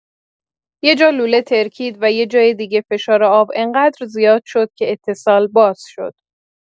یه جا لوله ترکید و یه جای دیگه فشار آب انقدر زیاد شد که اتصال باز شد.